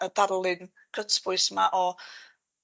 ...y darlun cytbwys 'ma o